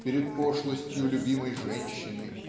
перед пошлостью любимой женщины